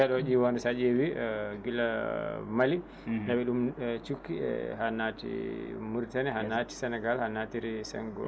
nde ɗo ƴiwonde sa ƴeewi giila Mali nawi ɗum e cukki ha naati Mauritanie ha naati Sénégal ha natiri sengo